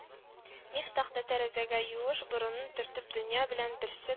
Мифтах та тәрәзәгә юеш борынын төртеп дөнья белән берсе